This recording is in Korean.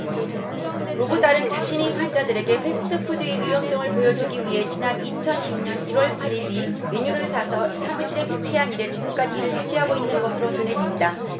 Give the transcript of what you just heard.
로브달은 자신의 환자들에게 패스트푸드의 위험성을 보여주기 위해 지난 이천 십 년 일 월 팔 일 이 메뉴를 사서 사무실에 비치한 이래 지금까지 이를 유지하고 있는 것으로 전해진다